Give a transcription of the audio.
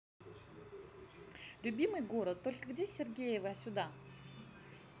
любимый город только где сергеева сюда